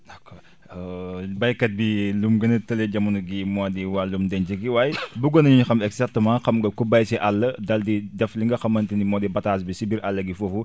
d' accord béykat bi lum gën a tële jamono jii moo di wàllum denc gi waaye bëggoon nañu xam exactement xam nga ku bay si àll daal di def li nga xamante ni moo di bâtage bi si biir àll gi foofu